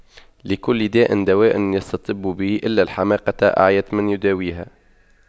لكل داء دواء يستطب به إلا الحماقة أعيت من يداويها